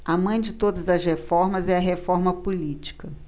a mãe de todas as reformas é a reforma política